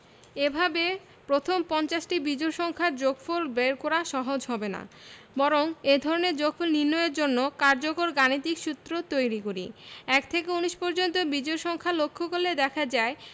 এভাবে প্রথম পঞ্চাশটি বিজোড় সংখ্যার যোগফল বের করা সহজ হবে না বরং এ ধরনের যোগফল নির্ণয়ের জন্য কার্যকর গাণিতিক সূত্র তৈরি করি ১ থেকে ১৯ পর্যন্ত বিজোড় সংখ্যা লক্ষ করলে দেখা যায়